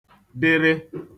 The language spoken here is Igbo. dịrị